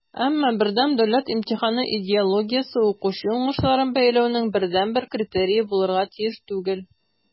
Әмма БДИ идеологиясе укучы уңышларын бәяләүнең бердәнбер критерие булырга тиеш түгел.